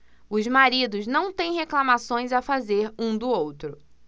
os maridos não têm reclamações a fazer um do outro